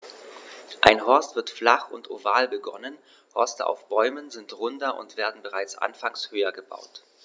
Ein Horst wird flach und oval begonnen, Horste auf Bäumen sind runder und werden bereits anfangs höher gebaut.